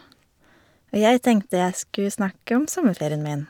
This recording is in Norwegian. Og jeg tenkte jeg skulle snakke om sommerferien min.